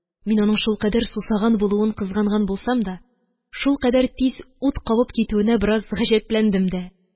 Мин аның шулкадәр сусаган булуын кызганган булсам да, шулкадәр тиз ут кабып китүенә бераз гаҗәпләндем дә.